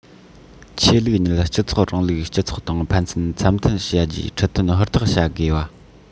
ཆོས ལུགས ཉིད སྤྱི ཚོགས རིང ལུགས སྤྱི ཚོགས དང ཕན ཚུན འཚམ ཐབས བྱ རྒྱུའི ཁྲིད སྟོན ཧུར ཐག བྱ དགོས པ